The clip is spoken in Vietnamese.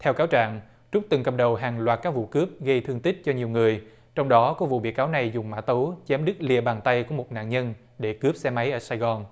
theo cáo trạng trúc từng cầm đầu hàng loạt các vụ cướp gây thương tích cho nhiều người trong đó có vụ bị cáo này dùng mã tấu chém đứt lìa bàn tay của một nạn nhân để cướp xe máy ở sài gòn